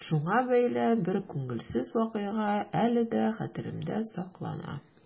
Шуңа бәйле бер күңелсез вакыйга әле дә хәтеремдә саклана.